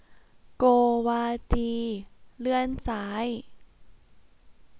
เลื่อนซ้าย